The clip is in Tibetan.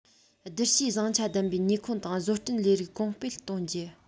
བསྡུར བྱའི བཟང ཆ ལྡན པའི ནུས ཁུངས དང བཟོ སྐྲུན ལས རིགས གོང སྤེལ གཏོང རྒྱུ